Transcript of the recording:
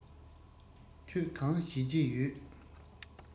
ཁྱོད གང བྱེད ཀྱི ཡོད